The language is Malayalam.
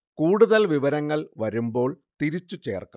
കൂടുതൽ വിവരങ്ങൾ വരുമ്പോൾ തിരിച്ചു ചേർക്കാം